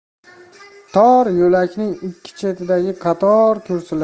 tor yo'lakning ikki chetidagi